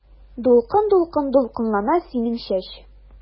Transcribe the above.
Дулкын-дулкын дулкынлана синең чәч.